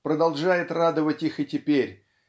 продолжает радовать их и теперь